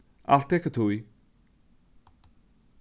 alt tekur tíð